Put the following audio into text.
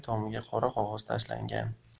tomiga qora qog'oz tashlangan